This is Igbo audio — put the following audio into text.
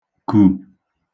kù